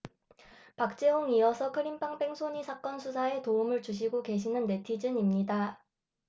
박재홍 이어서 크림빵 뺑소니 사건 수사에 도움을 주시고 계시는 네티즌입니다